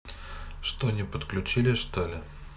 что не подключили что ли